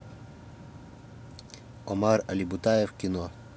омар алибутаев кино